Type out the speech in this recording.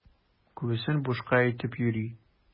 Күбесен бушка әйтеп йөри.